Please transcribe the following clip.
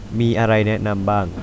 มีอะไรแนะนำบ้าง